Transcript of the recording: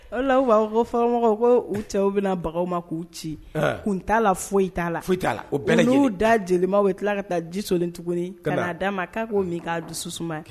O la faramɔgɔw ko u cɛ bɛna bagan ma k'u ci kun t'a la foyi t'a la foyi la bɛn y'u da jeli bɛ tila ka taa jisolen tuguni ka' d'a ma k'a ko min k'a dususu suma